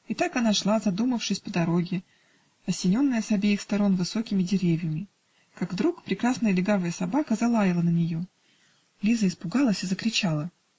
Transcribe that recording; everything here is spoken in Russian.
Итак, она шла, задумавшись, по дороге, осененной с обеих сторон высокими деревьями, как вдруг прекрасная легавая собака залаяла на нее. Лиза испугалась и закричала.